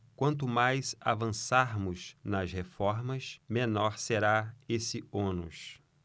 quanto mais avançarmos nas reformas menor será esse ônus